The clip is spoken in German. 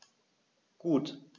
Gut.